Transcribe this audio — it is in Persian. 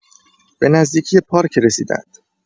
به نزدیکی پارک رسیدند.